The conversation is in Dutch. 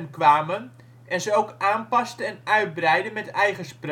kwamen, en ze ook aanpaste en uitbreidde met eigen